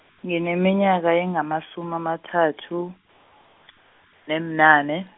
ngineminyaka engamasumi amathathu, neminane.